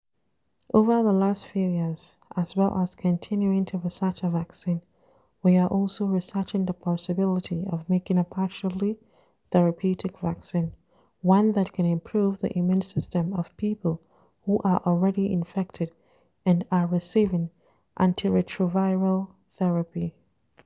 PG: Over the last few years, as well as continuing to research a vaccine, we are also researching the possibility of making a partially therapeutic vaccine, one that can improve the immune system of people who are already infected and are receiving antiretroviral therapy.